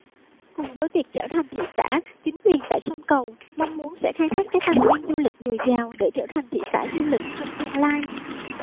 cùng với việc trở thành thị xã chính quyền tại sông cầu mong muốn sẽ khai thác các tài nguyên du lịch dồi dào để trở thành thị xã du lịch trong tương lai